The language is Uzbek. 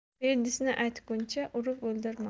berdisini aytguncha urib o'ldirma